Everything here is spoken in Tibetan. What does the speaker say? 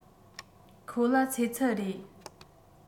ཁོ ལ ཚེ ཚད རེད